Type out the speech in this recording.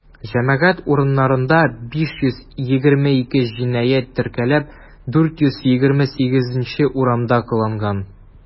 Җәмәгать урыннарында 522 җинаять теркәлеп, 428-е урамда кылынган.